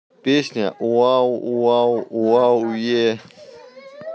песня yay yay yay ее